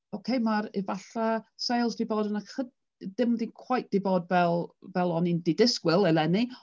Ocê ma'r efallai sales 'di bod yn ychy- dim 'di cweit 'di bod fel fel o'n i 'di disgwyl eleni.